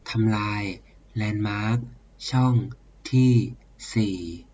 ทำลายแลนด์มาร์คช่องที่สี่